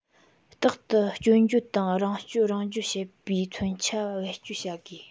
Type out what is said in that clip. རྟག ཏུ སྐྱོན བརྗོད དང རང སྐྱོན རང བརྗོད བྱེད པའི མཚོན ཆ བེད སྤྱོད བྱ དགོས